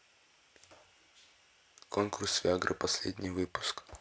конкурс виагры последний выпуск